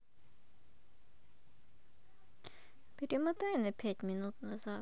перемотай на пятьдесят минут назад